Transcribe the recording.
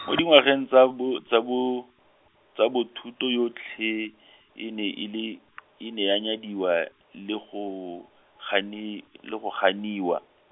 mo di ngwageng tsa bo, tsa bo, tsa bo thuto yotlhe, e ne e le , e ne ya nyadiwa, le go gani- le go ganiwa.